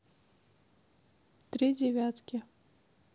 три девятки